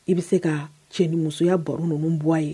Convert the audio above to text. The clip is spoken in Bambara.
I bɛ se ka cɛ ni musoya baro ninnu b bɔ aa ye